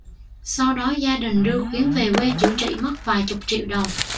sau đó gia đình đưa khuyến về quê chữa trị mất vài chục triệu đồng